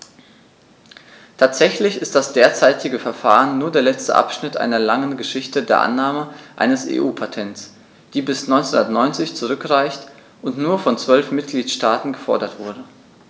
Tatsächlich ist das derzeitige Verfahren nur der letzte Abschnitt einer langen Geschichte der Annahme eines EU-Patents, die bis 1990 zurückreicht und nur von zwölf Mitgliedstaaten gefordert wurde.